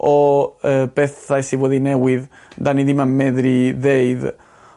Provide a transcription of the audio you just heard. o yy bethau sy wedi newidd 'dan ni ddim yn meddru ddeud